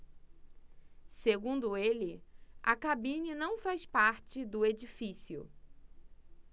segundo ele a cabine não faz parte do edifício